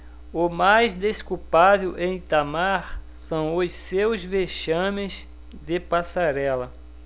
o mais desculpável em itamar são os seus vexames de passarela